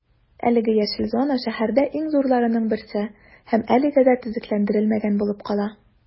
Әлеге яшел зона шәһәрдә иң зурларының берсе һәм әлегә дә төзекләндерелмәгән булып кала.